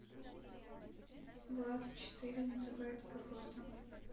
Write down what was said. влад а четыре называет кого то